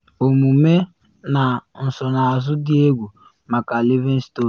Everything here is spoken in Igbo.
Omume na nsonaazụ dị egwu maka Livingston.